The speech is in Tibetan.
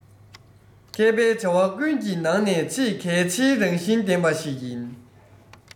མཁས པའི བྱ བ ཀུན གྱི ནང ནས ཆེས གལ ཆེའི རང བཞིན ལྡན པ ཞིག ཡིན